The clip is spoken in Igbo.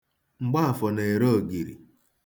Mgbaafọ na-ere ogiri.